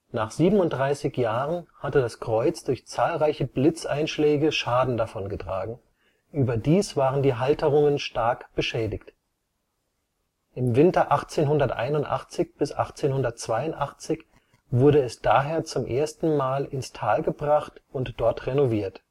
Nach 37 Jahren hatte das Kreuz durch zahlreiche Blitzeinschläge Schaden davongetragen; überdies waren die Halterungen stark beschädigt. Im Winter 1881 – 1882 wurde es daher zum ersten Mal ins Tal gebracht und dort renoviert